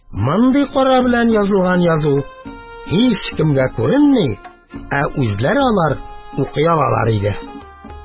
Мондый «кара» белән язылган язу һичкемгә күренми, ә үзләре укый алалар иде.